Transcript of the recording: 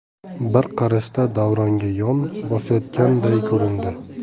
bir qarashda davronga yon bosayotganday ko'rindi